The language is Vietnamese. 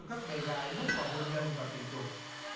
các bé gái bước vào hôn nhân và tình dục